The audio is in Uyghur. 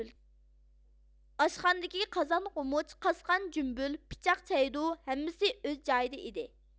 ئاشخانىدىكى قازان قومۇچ قاسقان جۈمبۈل پىچاق چەيدۇ ھەممىسى ئۆز جايىدا ئىدى